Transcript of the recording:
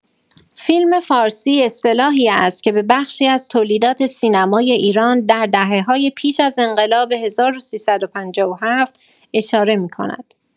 فیلم‌فارسی اصطلاحی است که به بخشی از تولیدات سینمای ایران در دهه‌های پیش از انقلاب ۱۳۵۷ اشاره می‌کند؛